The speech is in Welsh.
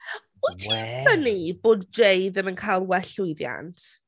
Wyt ti'n synnu bod Jay ddim yn cael well llwyddiant?